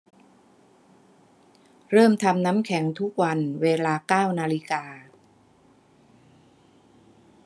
เริ่มทำน้ำแข็งทุกวันเวลาเก้านาฬิกา